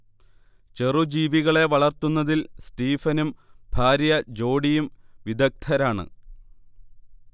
ചെറുജീവികളെ വളർത്തുന്നതിൽ സ്റ്റീഫനും ഭാര്യ ജോഡിയും വിദഗ്ധരാണ്